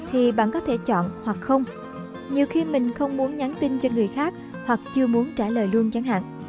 thì bạn có thể chọn hoặc không nhiều khi mình không muốn nhắn tin cho người khác hoặc chưa muốn trả lời luôn chẳng hạn